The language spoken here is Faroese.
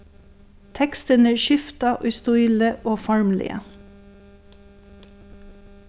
tekstirnir skifta í stíli og formliga